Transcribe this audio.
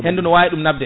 hendu ne wawi ɗum nabde